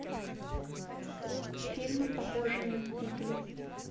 фильмы похожие на мстителей